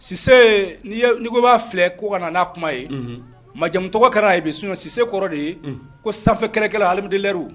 Sise n'i ko i b'a filɛ ko ka nan'a kuma ye, unhun, majamu tɔgɔ kɛra ye bi sinon Sise kɔrɔ de ye, un, ko sanfɛ kɛlɛkɛla armée de l'air